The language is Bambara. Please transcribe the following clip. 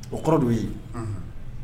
O kɔrɔ de ye